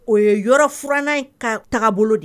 O ye yɔrɔfurannan in ka taabolo de ye.